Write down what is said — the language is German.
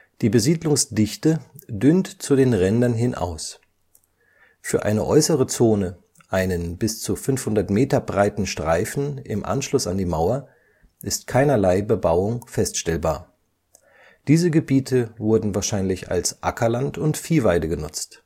Die Besiedlungsdichte dünnt zu den Rändern hin aus. Für eine äußere Zone, einen bis zu 500 m breiten Streifen im Anschluss an die Mauer, ist keinerlei Bebauung feststellbar. Diese Gebiete wurden wahrscheinlich als Ackerland und Viehweide genutzt